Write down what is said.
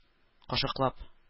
Кашыклап